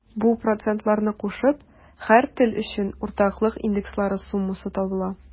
Бу процентларны кушып, һәр тел өчен уртаклык индекслары суммасы табыла.